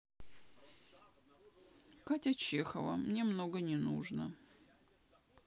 катя чехова мне много не нужно